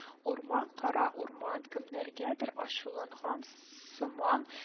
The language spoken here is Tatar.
Урман, кара урман, кемнәргәдер ачуланган сыман